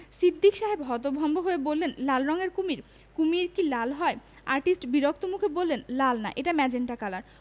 সিদ্দিক সাহেব হতভম্ব হয়ে বললেন লাল রঙের কুমীর শমীর কি লাল হয় আর্টিস্ট বিরক্ত মুখে বললেন লাল না এটা মেজেন্টা কালার